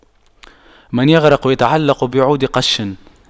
من يغرق يتعلق بعود قش